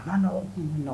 U